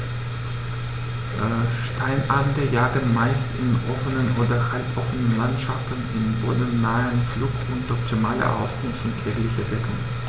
Steinadler jagen meist in offenen oder halboffenen Landschaften im bodennahen Flug unter optimaler Ausnutzung jeglicher Deckung.